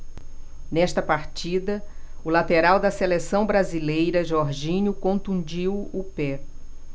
nesta partida o lateral da seleção brasileira jorginho contundiu o pé